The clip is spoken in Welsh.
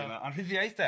ond rhyddiaeth.